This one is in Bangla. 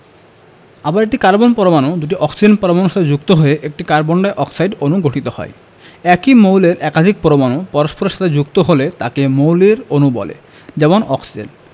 আবার একটি কার্বন পরমাণু দুটি অক্সিজেন পরমাণুর সাথে যুক্ত হয়ে একটি কার্বন ডাই অক্সাইড অণু গঠিত হয় একই মৌলের একাধিক পরমাণু পরস্পরের সাথে যুক্ত হলে তাকে মৌলের অণু বলে যেমন অক্সিজেন